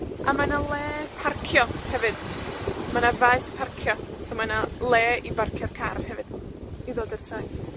a mae 'na le parcio hefyd. Ma' 'na faes parcio. So mae 'na le i barcio'r car hefyd, i ddod i'r traeth.